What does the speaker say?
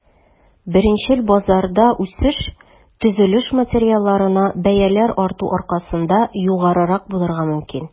Беренчел базарда үсеш төзелеш материалларына бәяләр арту аркасында югарырак булырга мөмкин.